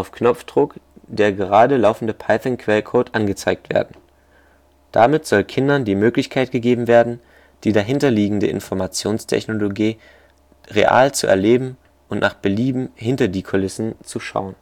Knopfdruck der gerade laufende Python-Quellcode angezeigt werden. Damit soll Kindern die Möglichkeit gegeben werden, die dahinterliegende Informationstechnologie real zu erleben und nach Belieben „ hinter die Kulissen “zu schauen